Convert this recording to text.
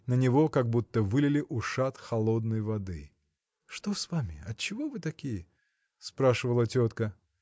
На него как будто вылили ушат холодной воды. – Что с вами? отчего вы такие? – спрашивала тетка.